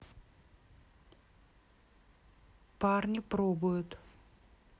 парни пробуют